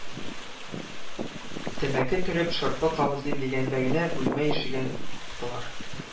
Тәмәке төреп, шырпы кабызыйм дигәндә генә, бүлмә ишеген кактылар